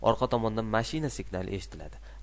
orqa tomondan mashina signali eshitiladi